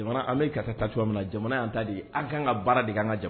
Jamana an bɛ karisa ta cogoya minna jamana y' t ta di an kan ka baara de' ka jamana